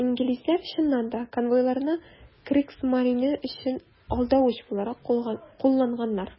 Инглизләр, чыннан да, конвойларны Кригсмарине өчен алдавыч буларак кулланганнар.